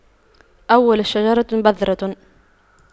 أول الشجرة بذرة